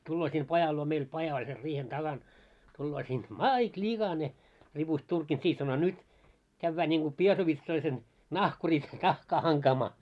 tulee sinne pajan luo meillä paja oli sen riihen takana tulee siinä mait likainen ripusti turkin siihen sanoi nyt käydään niin kuin piesovitsoisen nahkurissa nahkaa hankaamaan